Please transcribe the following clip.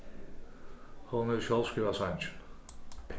hon hevur sjálv skrivað sangin